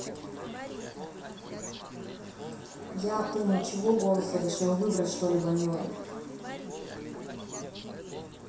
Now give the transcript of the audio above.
я ты ничего голоса решил выбрать что ли больное